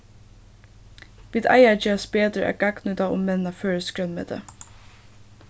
vit eiga at gerast betur at gagnnýta og menna føroyskt grønmeti